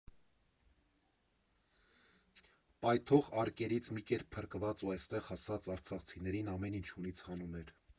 Պայթող արկերից մի կերպ փրկված ու այստեղ հասած արցախցիներին ամեն ինչ հունից հանում էր։